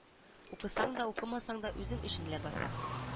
Укысаң да укымасаң да үзең өчен ләбаса